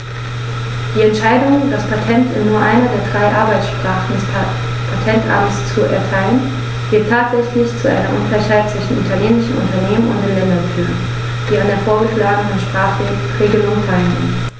Die Entscheidung, das Patent in nur einer der drei Arbeitssprachen des Patentamts zu erteilen, wird tatsächlich zu einer Ungleichheit zwischen italienischen Unternehmen und den Ländern führen, die an der vorgeschlagenen Sprachregelung teilnehmen.